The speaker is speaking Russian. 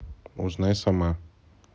узнай сама